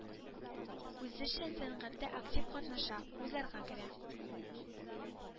Үзешчән сәнгатьтә актив катнаша, вузларга керә.